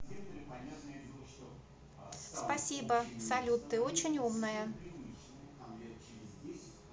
спасибо салют ты очень умная